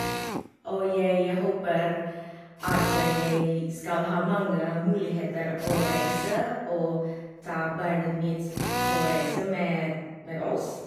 Og jeg håper at jeg skal ha mange muligheter å reise og ta barnet mitt på reise med med oss.